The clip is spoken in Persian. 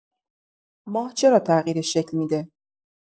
ماه چرا تغییر شکل می‌ده؟